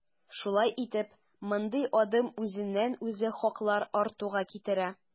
Шулай итеп, мондый адым үзеннән-үзе хаклар артуга китерә.